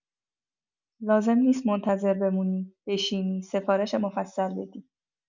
لازم نیست منتظر بمونی، بشینی، سفارش مفصل بدی.